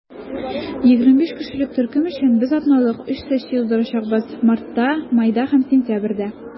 25 кешелек төркем өчен без атналык өч сессия уздырачакбыз - мартта, майда һәм сентябрьдә.